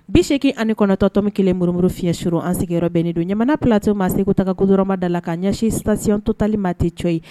89.1 murumuru fiyɛsuru an sigiyɔrɔ bɛnnen don ɲamana plateau ma Segu taga goudron ba da la k'a ɲɛsin station total ma ten cɔyi